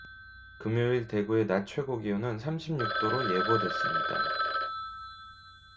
금요일 대구의 낮 최고기온은 이십 육 로 예보됐습니다